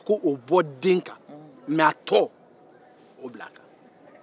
ko o bɛ den kan i k'a tɔ bila a kan